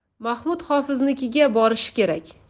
mahmud hofiznikiga borishi kerak